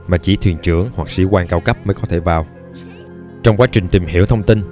mà chỉ thuyền trưởng hoặc sĩ quan cao cấp mới có thể vào trong quá trình tìm hiểu thông tin